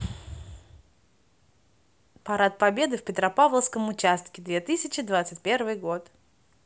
парад победы в петропавловском участке две тысячи двадцать первый год